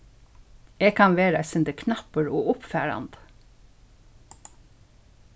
eg kann vera eitt sindur knappur og uppfarandi